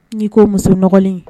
N'i ko musoɔgɔnlen